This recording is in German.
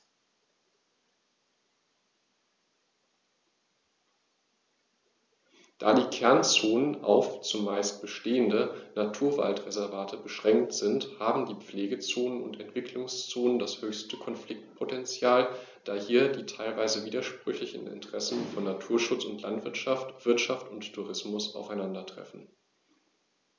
Da die Kernzonen auf – zumeist bestehende – Naturwaldreservate beschränkt sind, haben die Pflegezonen und Entwicklungszonen das höchste Konfliktpotential, da hier die teilweise widersprüchlichen Interessen von Naturschutz und Landwirtschaft, Wirtschaft und Tourismus aufeinandertreffen.